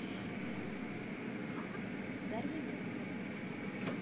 дарья елохова